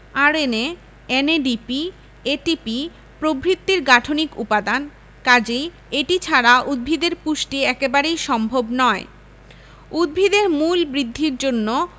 R N A N A D P A T P প্রভৃতির গাঠনিক উপাদান কাজেই এটি ছাড়া উদ্ভিদের পুষ্টি একেবারেই সম্ভব নয় উদ্ভিদের মূল বৃদ্ধির জন্য